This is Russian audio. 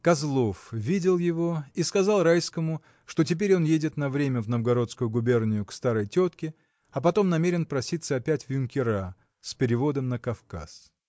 Козлов видел его и сказал Райскому, что теперь он едет на время в Новгородскую губернию, к старой тетке, а потом намерен проситься опять в юнкера, с переводом на Кавказ.